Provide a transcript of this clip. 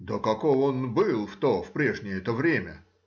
— Да каков он был в то, в прежнее-то время?